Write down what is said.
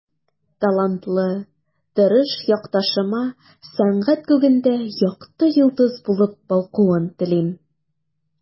Талантлы, тырыш якташыма сәнгать күгендә якты йолдыз булып балкуын телим.